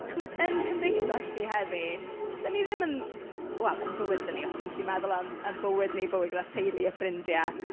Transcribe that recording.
Chimod yn cymdeithas ni heddi dan ni ddim yn... wel, yn bywydau ni, os ni'n gallu meddwl am ein bywyd ni, bywyd gyda teulu a ffrindiau.